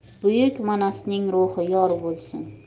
buyuk manasning ruhi yor bo'lsin